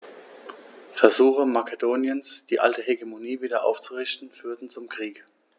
Versuche Makedoniens, die alte Hegemonie wieder aufzurichten, führten zum Krieg.